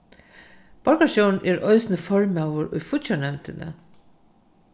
borgarstjórin er eisini formaður í fíggjarnevndini